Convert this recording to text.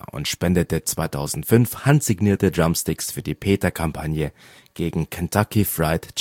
und spendete 2005 handsignierte Drumsticks für die PETA-Kampagne gegen Kentucky Fried